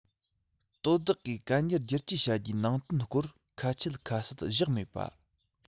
དོ བདག གིས གན རྒྱ བསྒྱུར བཅོས བྱ རྒྱུའི ནང དོན སྐོར ཁ ཆད ཁ གསལ བཞག མེད པ